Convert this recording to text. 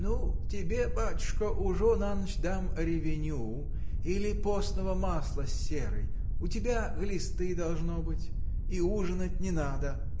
— Ну, тебе, батюшка, ужо на ночь дам ревеню или постного масла с серой. У тебя глисты, должно быть. И ужинать не надо.